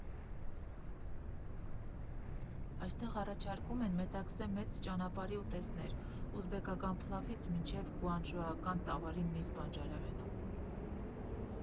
Այստեղ առաջարկում են Մետաքսե մեծ ճանապարհի ուտեստներ՝ ուզբեկական փլավից մինչև գուանչժոական տավարի միս բանջարեղենով։